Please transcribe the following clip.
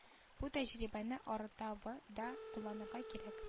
Бу тәҗрибәне арытаба да кулланырга кирәк